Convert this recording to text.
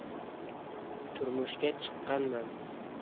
turmushga chiqqanman